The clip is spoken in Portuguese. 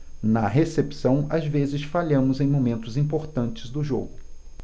na recepção às vezes falhamos em momentos importantes do jogo